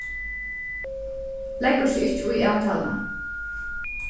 leggur seg ikki í avtaluna